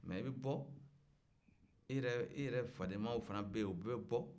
mɛ i bɛ bɔ i yɛrɛ fadenmaw fana bɛ yen o bɛɛ bɛ bɔ